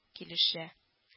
Килешә